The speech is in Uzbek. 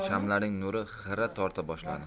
shamlarning nuri xira torta boshladi